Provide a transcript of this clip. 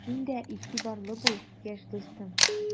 Син дә игътибарлы бул, яшь дустым!